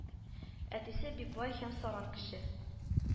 Әтисе бик бай һәм саран кеше